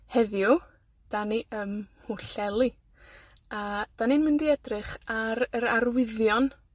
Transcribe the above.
Heddiw 'dan ni ym Mhwllheli. A 'dan ni'n mynd i edrych ar yr arwyddion